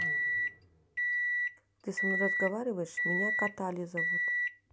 ты со мной разговариваешь меня катали зовут